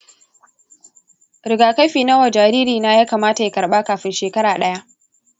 rigakafi nawa ya kamata jaririna ya karba kafin shekara daya?